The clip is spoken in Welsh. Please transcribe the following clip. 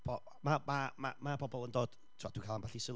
bo' ma' ma' ma' ma' pobl yn dod, tibod, dwi'n cael ambell i sylw,